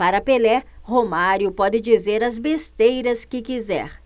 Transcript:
para pelé romário pode dizer as besteiras que quiser